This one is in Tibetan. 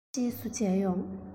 རྗེས སུ མཇལ ཡོང